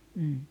mm